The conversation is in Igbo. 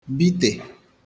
bite